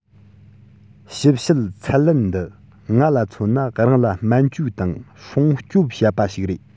ཞིབ དཔྱད ཚད ལེན འདི ང མཚོན ན རང ལ སྨན བཅོས དང སྲུང སྐྱོབ བྱེད པ ཞིག རེད